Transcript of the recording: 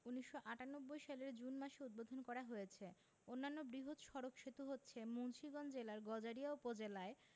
১৯৯৮ সালের জুন মাসে উদ্বোধন করা হয়েছে অন্যান্য বৃহৎ সড়ক সেতু হচ্ছে মুন্সিগঞ্জ জেলার গজারিয়া উপজেলায়